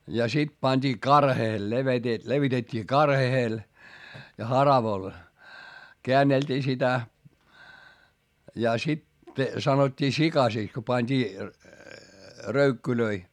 ja sitten pantiin karheelle - levitettiin karheelle ja haravalla käänneltiin sitä ja sitten sanottiin sikaseksi kun pantiin röykkyjä